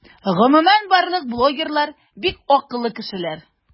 Гомумән барлык блогерлар - бик акыллы кешеләр.